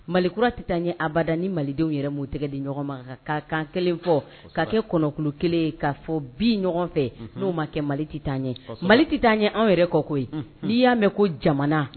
Mali kura tɛ taa ɲɛ abada ni malidenw yɛrɛ m'o tigɛ di ɲɔgɔn ma ka kan kelen fɔ ka kɛ kɔnɔkulu 1 ye ka fɔ bi ɲɔgɔn fɛ n'o ma kɛ Mali tɛ taa ɲɛ. Kosɛbɛ! Mali tɛ taa ɲɛ an yɛrɛ kɔ koyi. Unhun! N'i y'a mɛn ko jamana